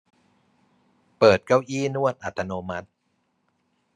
เปิดเก้าอี้นวดอัตโนมัติ